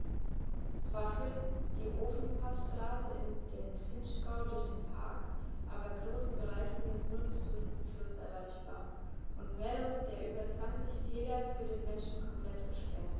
Zwar führt die Ofenpassstraße in den Vinschgau durch den Park, aber große Bereiche sind nur zu Fuß erreichbar und mehrere der über 20 Täler für den Menschen komplett gesperrt.